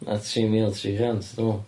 Na tri mil tri chant dwi'n m'wl.